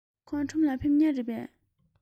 ཁོང ཁྲོམ ལ ཕེབས མཁན རེད པས